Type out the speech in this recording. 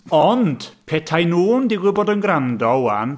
Ond, pe tai nhw'n digwydd bod yn gwrando 'wan...